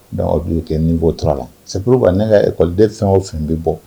Dɔw be kɛ niveau 3 la c'est pour quoi ne ka école den fɛn o fɛn be bɔ